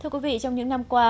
thưa quý vị trong những năm qua